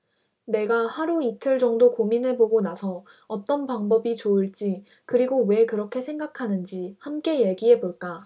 네가 하루 이틀 정도 고민해 보고 나서 어떤 방법이 좋을지 그리고 왜 그렇게 생각하는지 함께 얘기해 볼까